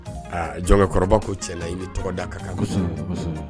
Aaa jɔnkɛkɔrɔba ko cɛ la i bɛ tɔgɔ da kan kan kosɛbɛ